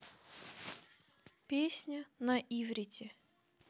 песня на иврите